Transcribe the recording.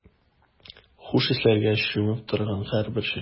Хуш исләргә чумып торган һәрбер чәчкә.